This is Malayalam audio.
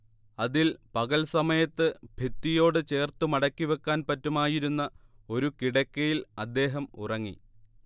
അതിൽ പകൽ സമയത്ത് ഭിത്തിയോടുചേർത്ത് മടക്കിവക്കാൻ പറ്റുമായിരുന്ന ഒരു കിടക്കയിൽ അദ്ദേഹം ഉറങ്ങി